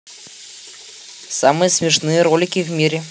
самые смешные ролики в мире